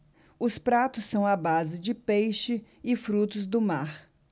os pratos são à base de peixe e frutos do mar